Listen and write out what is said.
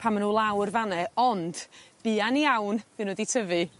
pan ma' n'w lawr fan 'ne ond buan iawn by' n'w 'di tyfu.